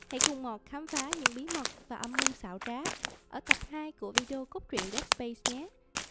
hãy cùng mọt khám phá những bí mật và âm mưu xảo trá ở tập của video cốt truyện dead space nhé